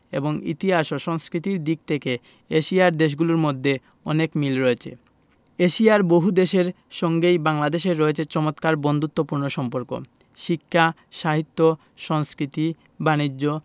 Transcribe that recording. এবং ইতিহাস ও সংস্কৃতির দিক থেকে এশিয়ার দেশগুলোর মধ্যে অনেক মিল রয়েছেএশিয়ার বহুদেশের সঙ্গেই বাংলাদেশের রয়েছে চমৎকার বন্ধুত্বপূর্ণ সম্পর্ক শিক্ষা সাহিত্য সংস্কৃতি বানিজ্য